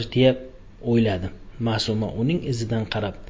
deya o'yladi ma'suma uning izidan qarab